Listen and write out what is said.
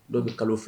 Dɔ bɛ kalo filɛ